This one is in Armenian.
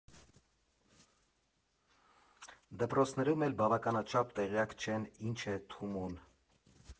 Դպրոցներում էլ բավականաչափ տեղյակ չեն՝ ինչ է Թումոն։